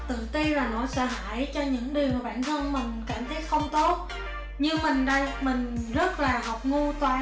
tự ti là nỗi sợ hãi cho những điều bản thân mình cảm thấy không tốt như mình đây mình rất là học ngu toán